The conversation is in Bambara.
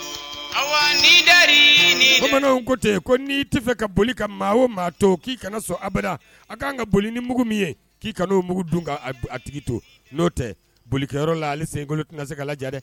Bamananw ko tɛ n tɛ ka boli ka maa o to k' kana so kan ka boli ni mugu ye k dun tigi to no tɛ bolikɛ la ale tɛna se ka dɛ